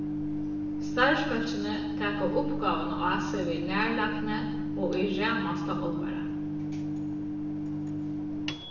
starvsfólkini taka uppgávuna á seg við nærlagni og í ramasta álvara